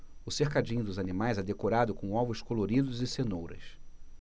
o cercadinho dos animais é decorado com ovos coloridos e cenouras